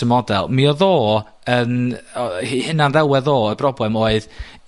y model, mi odd o yno 'i 'i hunan ddelwedd o, y broblem oedd